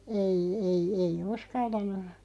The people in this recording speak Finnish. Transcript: ei ei ei uskaltanut